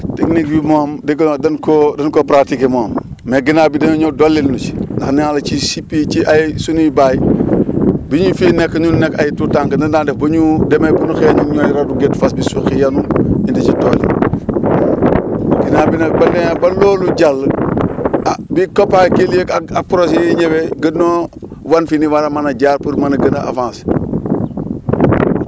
technique bi moom dégg naa dan koo dan ko pratiqué moom mais ginnaaw bi da nga ñëw dollil ñu si ndax nee naa la ci su ci ay suñuy baay bi ñu fiy nekk ñu nekk ay tuut tànk ni ñu daan def ba ñu demee bu ñu xëyee ñun ñooy ** gétt fas bi yenu indi si tool yi ginnaaw bi nag bi ñu demee ba loolu jàll ah bi COPACEL yeeg ak projets yi ñëwee gën ñoo wan fi ñuy mën a mën a jaar pour mën a agën a avancer